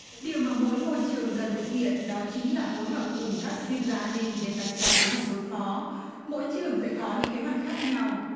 điều mà mỗi ngôi trường cần thực hiện đó chính là phối hợp cùng các chuyên gia an ninh để vạch ra kế hoạch đối phó mỗi trường sẽ có những kế hoạch khác nhau